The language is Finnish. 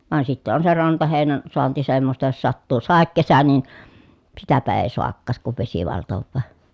vaan sitten on se rantaheinän saanti semmoista jos sattuu sadekesä niin sitäpä ei saakaan sitten kun vesi valtaa